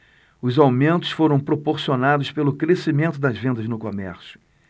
os aumentos foram proporcionados pelo crescimento das vendas no comércio